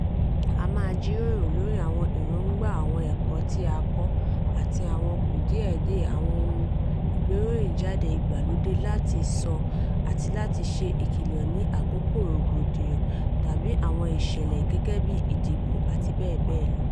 A máa jíròrò lórí àwọn èróńgbà, àwọn ẹ̀kọ́ tí a kọ́ àti àwọn kùdìẹ̀kudiẹ àwọn oun ìgbéròyìnjáde ìgbàlódé láti sọ àti láti ṣe ìkìlọ̀ ní àkókò rògbòdìyàn tàbí àwọn ìṣẹ̀lẹ̀ (gẹ́gẹ́ bíi ìdìbò àti bẹ́ẹ̀ bẹ́ẹ̀ lọ...).